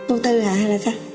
vô tư hả hay là sao